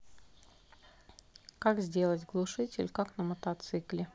как сделать глушитель как на мотоцикле